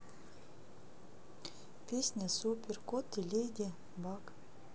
песня супер кот и леди баг